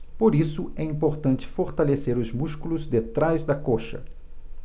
por isso é importante fortalecer os músculos de trás da coxa